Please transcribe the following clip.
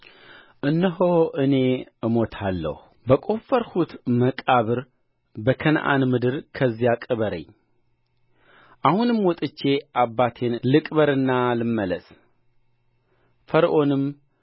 እነሆ እኔ እሞታለሁ በቈፈርሁት መቃብር በከነዓን ምድር ከዚያ ቅበረኝ አሁንም ወጥቼ አባቴን ልቅበርና ልመለስ ፈርዖንም